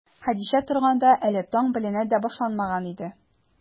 Хәдичә торганда, әле таң беленә дә башламаган иде.